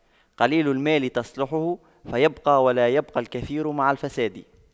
قليل المال تصلحه فيبقى ولا يبقى الكثير مع الفساد